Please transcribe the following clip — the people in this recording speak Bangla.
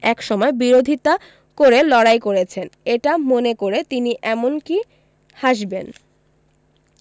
একসময় বিরোধিতা করে লড়াই করেছেন এটা মনে করে তিনি এমনকি হাসবেন